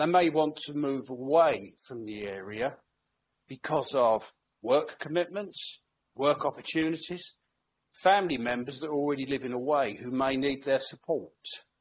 They may want to move away from the area because of work commitments, work opportunities, family members that are already living away who may need their support.